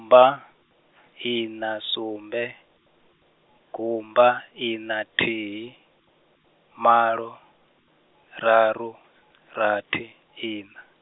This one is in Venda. -mba, iṋa sumbe, gumba iṋa thihi, malo, raru, rathi, iṋa.